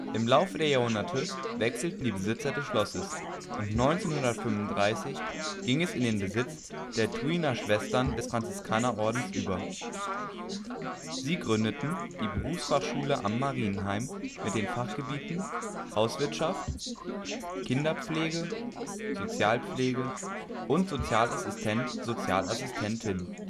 Im Laufe der Jahrhunderte wechselten die Besitzer des Schlosses und 1935 ging es in den Besitz der Thuiner Schwestern des Franziskanerordens über. Sie gründeten die ' Berufsfachschule am Marienheim ' mit den Fachgebieten Hauswirtschaft, Kinderpflege, Sozialpflege und Sozialassistent/in